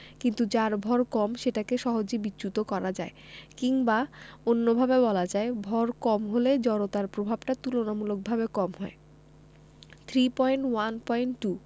কিন্তু যার ভয় কম সেটাকে সহজে বিচ্যুত করা যায় কিংবা অন্যভাবে বলা যায় ভর কম হলে জড়তার প্রভাবটা তুলনামূলকভাবে কম হয় 3.1.2